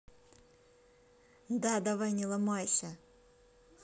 да давай не ломайся